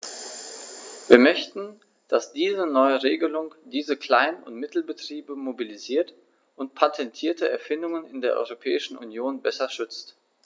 Wir möchten, dass diese neue Regelung diese Klein- und Mittelbetriebe mobilisiert und patentierte Erfindungen in der Europäischen Union besser schützt.